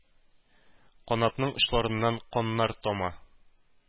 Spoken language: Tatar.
Канатының очларыннан каннар тама,